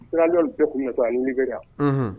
Bɛɛ tuntɔ a wili bɛ yan